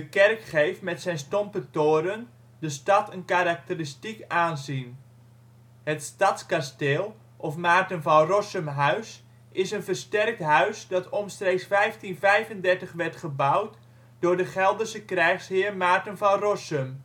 kerk geeft met zijn stompe toren de stad een karakteristiek aanzien. Het Stadskasteel of Maarten van Rossumhuis is een versterkt huis dat omstreeks 1535 werd gebouwd door de Gelderse krijgsheer Maarten van Rossum